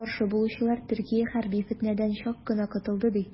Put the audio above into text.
Каршы булучылар, Төркия хәрби фетнәдән чак кына котылды, ди.